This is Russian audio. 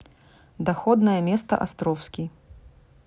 доходное место островский